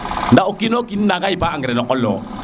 nda o kino kin nanga yipa engrais no qol le wo